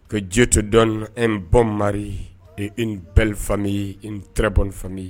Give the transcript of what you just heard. Ka jitodɔn n bɔn mariri n bɛɛ ye n taraweleb fa ye